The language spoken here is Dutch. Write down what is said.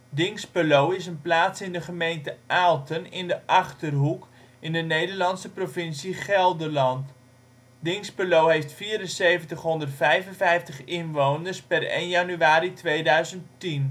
Dinsper) is een plaats in de gemeente Aalten in de Achterhoek, Nederlandse provincie Gelderland. Dinxperlo heeft 7.455 inwoners (per 1 januari 2010